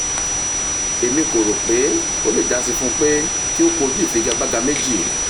Èmi kò rò pé ó le jásí fún pé kí ó kojú ìfigagbága méjì.